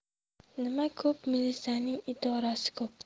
nima ko'p milisaning idorasi ko'p